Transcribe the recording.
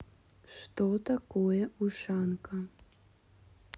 что такое ушанка